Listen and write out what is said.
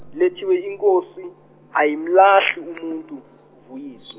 lethiwe iNkosi, ayimlahli umuntu, Vuyisw-.